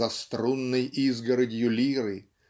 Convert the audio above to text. "за струнной изгородью лиры"